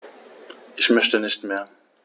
Ich möchte nicht mehr.